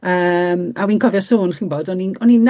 Yym a wi'n cofio sôn chi'n 'bod o'n i'n o'n i'n